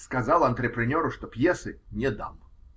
Сказал антрепренеру, что пьесы не дам.